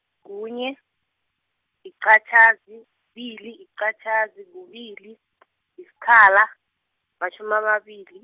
kunye, yiqatjhazi, kubili, yiqatjhazi, kubili , yisikhala, matjhumi, amabili.